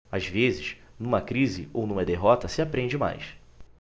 às vezes numa crise ou numa derrota se aprende mais